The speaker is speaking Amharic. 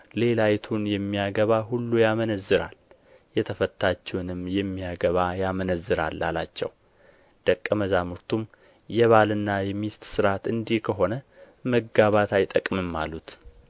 ሌላዪቱን የሚያገባ ሁሉ ያመነዝራል የተፈታችውንም የሚያገባ ያመነዝራል አላቸው